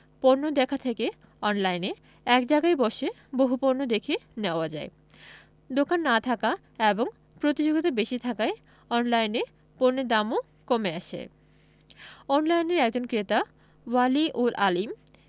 পণ্য দেখার থেকে অনলাইনে এক জায়গায় বসে বহু পণ্য দেখে নেওয়া যায় দোকান না থাকা এবং প্রতিযোগিতা বেশি থাকায় অনলাইনে পণ্যের দামও কমে আসে অনলাইনের একজন ক্রেতা ওয়ালি উল আলীম